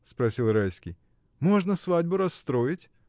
— спросил Райский, — можно свадьбу расстроить.